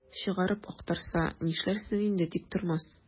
Чыгарып актарса, нишләрсең инде, Тиктормас?